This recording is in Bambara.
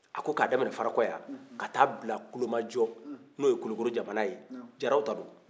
a ko ka daminɛ farakɔ yan ka t'a bila tulomajɔ n'o ye kulukɔrɔ mara ye jaraw ta don